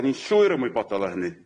'Dan ni'n llwyr ymwybodol o hynny.